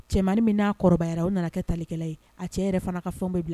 Cɛmani n aa kɔrɔbaya o nana kɛ talikɛla ye a cɛ yɛrɛ fana ka fɛn bila